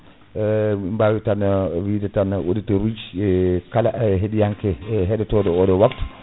min bawi tan wide tan auditeur uji e kala heɗiyanke heɗotoɗo oɗo waptu